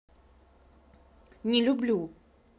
не люблю